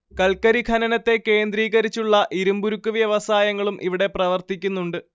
കൽക്കരി ഖനനത്തെ കേന്ദ്രീകരിച്ചുള്ള ഇരുമ്പുരുക്ക് വ്യവസായങ്ങളും ഇവിടെ പ്രവർത്തിക്കുന്നുണ്ട്